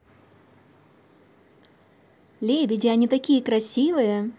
лебеди они такие красивые